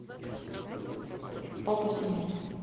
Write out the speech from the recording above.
папа синяк